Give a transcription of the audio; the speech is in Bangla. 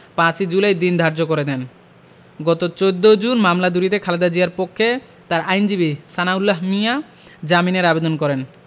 ৫ ই জুলাই দিন ধার্য করে দেন গত ১৪ জুন মামলা দুটিতে খালেদা জিয়ার পক্ষে তার আইনজীবী সানাউল্লাহ মিয়া জামিনের আবেদন করেন